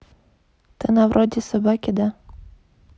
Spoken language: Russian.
ты на вроде собаки да